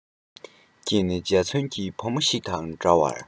ཁྱེད ནི འཇའ ཚོན གྱི བུ མོ ཞིག དང འདྲ བར